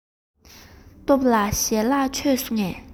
སྟོབས ལགས ཞལ ལག མཆོད སོང ངས